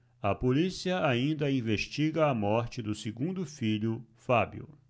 a polícia ainda investiga a morte do segundo filho fábio